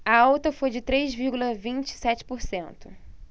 a alta foi de três vírgula vinte e sete por cento